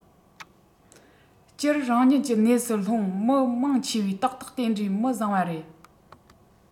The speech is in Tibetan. སྤྱིར རང ཉིད གི གནས སུ ལྷུང མི མང ཆེ བས ཏག ཏག དེ འདྲའི མི བཟང བ རེད